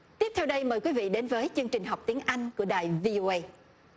tiếp theo đây mời quý vị đến với chương trình học tiếng anh của đài vi ô uây